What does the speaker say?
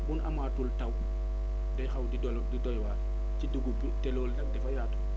bu nu amaatul taw day xaw di di doy waar ci dugub bi te loolu nag dafa yaatu